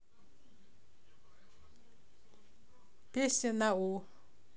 песня на у